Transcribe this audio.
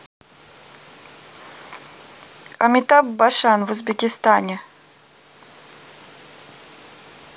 amitabh bachchan в узбекистане